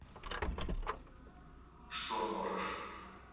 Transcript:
что можешь